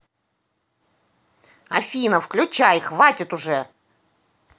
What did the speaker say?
афина выключай хватит уже